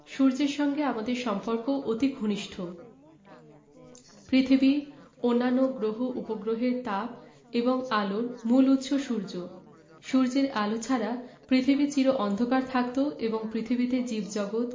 সূর্যের সঙ্গে আমাদের সম্পর্ক অতি ঘনিষ্ট পৃথিবী অন্যান্য গ্রহ উপগ্রহের তাপ ও আলোর মূল উৎস সূর্য সূর্যের আলো ছাড়া পৃথিবী চির অন্ধকার থাকত এবং পৃথিবীতে জীবজগত